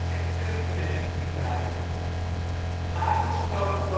en turnvereniging bij. Later sloten